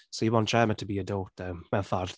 So you want Gemma to be your daughter, mewn ffordd.